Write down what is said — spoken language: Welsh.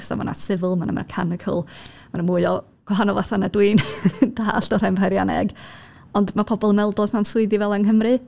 So mae 'na sifil, mae 'na mechanical, mae 'na mwy o gwahanol fathau na dwi'n dallt o ran peirianneg. Ond mae pobl yn meddwl does na'm swyddi fel 'na yng Nghymru.